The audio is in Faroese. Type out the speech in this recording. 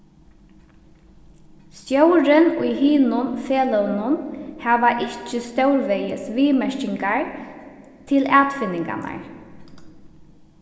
stjórin í hinum feløgunum hava ikki stórvegis viðmerkingar til atfinningarnar